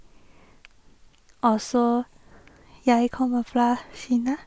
Og så jeg kommer fra Kina.